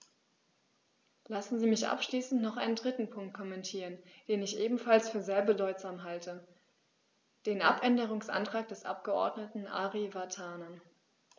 Lassen Sie mich abschließend noch einen dritten Punkt kommentieren, den ich ebenfalls für sehr bedeutsam halte: den Abänderungsantrag des Abgeordneten Ari Vatanen.